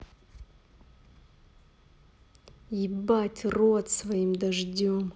ебать рот своим дождем